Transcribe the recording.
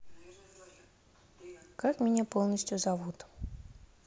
как меня полностью зовут